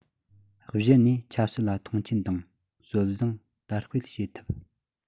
གཞི ནས ཆབ སྲིད ལ མཐོང ཆེན དང སྲོལ བཟང དར སྤེལ བྱེད ཐུབ